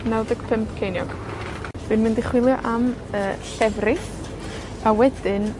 Naw deg pump ceiniog. Dwi'n mynd i chwilio am yy llefrith, a wedyn